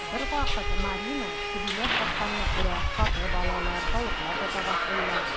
Ә бервакыт Марина чебиләр сатканны күрә, сатып алалар, тавыклар тота башлыйлар.